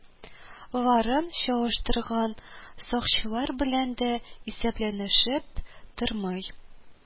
Ларын чалыштырган сакчылар белән дә исәпләшеп тормый,